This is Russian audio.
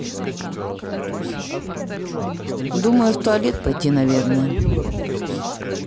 думаю в туалет пойти наверное